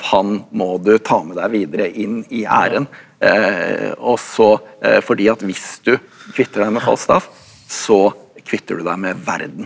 han må du ta med deg videre inn i æren og så fordi at hvis du kvitter deg med Falstaff så kvitter du deg med verden.